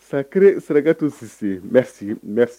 sacré Sarakatu Sise merci merci